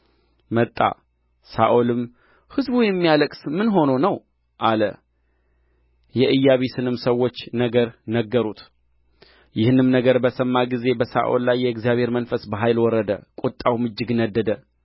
መጣ ሳኦልም ሕዝቡ የሚያለቅስ ምን ሆኖ ነው አለ የኢያቢስንም ሰዎች ነገር ነገሩት ይህንም ነገር በሰማው ጊዜ በሳኦል ላይ የእግዚአብሔር መንፈስ በኃይል ወረደ ቍጣውም እጅግ ነደደ